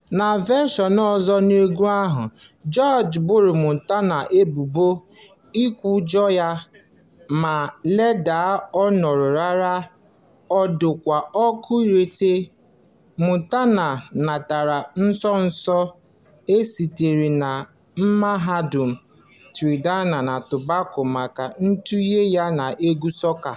Na vashọn ọzọ n'egwu ahụ, George boro Montano ebubo "Ikwujọ" ya, ma ledaa ọnọrarị dọkụtọreti Montano natara nso nso a sitere na Mahadum Trinidad na Tobago maka ntụnye ya n'egwu sọka.